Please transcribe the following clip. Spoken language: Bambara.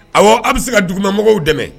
Ayiwa aw bɛ se ka dugumamɔgɔw dɛmɛ